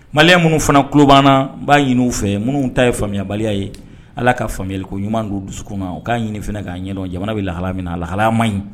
Malile minnu fana ku banna n b'a ɲini fɛ minnu ta ye faamuyayabaliya ye ala ka faamuyaliko ɲumanuma don dusukun o k'a ɲini fana k'a ɲɛ jamana bɛ lahaya min na a lahalaya ma ɲi